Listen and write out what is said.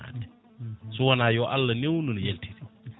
sowona yo Allah newnu no *